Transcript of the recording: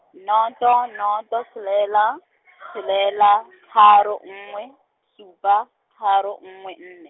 noto noto tshelela, tshelela, tharo nngwe, supa, tharo nngwe nne.